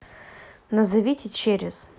назовите через